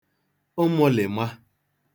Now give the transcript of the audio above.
ụmụlị̀ma